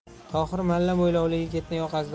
tohir malla mo'ylovli yigitni yoqasidan